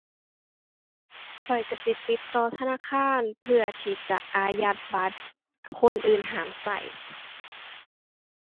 ข้อยก็สิติดต่อธนาคารเพื่อที่จะอายัดบัตร คนอื่นห้ามก็